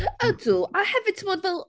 Ydw, a hefyd timod fel...